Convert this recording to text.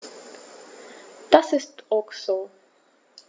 Das ist ok so.